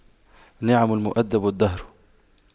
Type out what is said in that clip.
نعم المؤَدِّبُ الدهر